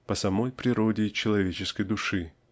по самой природе человеческой души.